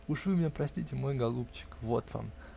уж вы меня простите, мой голубчик. вот вам.